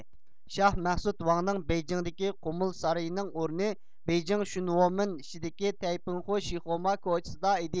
شاھ مەخسۇت ۋاڭنىڭ بېيجىڭدىكى قۇمۇل سارىيى نىڭ ئورنى بېيجىڭ شۈنۋومىن ئىچىدىكى تەيپىڭخۇ شىخۇما كوچىسىدا ئىدى